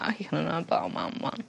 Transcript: a 'blaw mam ŵan.